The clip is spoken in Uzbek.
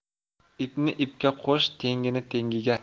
ipni ipga qo'sh tengini tengiga